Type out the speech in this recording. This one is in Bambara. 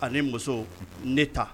Ani muso ne ta